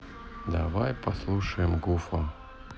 давай послушаем гуфа